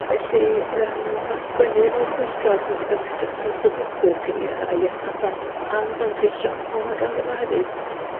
Felly yym ma' sgwennu efo pwyllgor yy yn edrych dros 'ych ysgwydd chi â'i yy anfant- anfanteision on' ma' ganddo fo hefyd